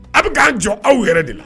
A bɛ k'a jɔ aw yɛrɛ de la